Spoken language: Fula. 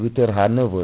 8 heures ha 9 heures